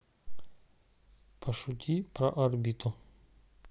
пошути про орбиту